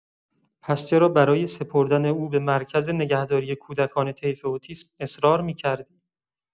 پس چرا برای سپردن او به مرکز نگهداری کودکان طیف اتیسم اصرار می‌کرد؟!